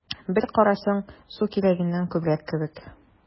Бер карасаң, су кирәгеннән күбрәк кебек: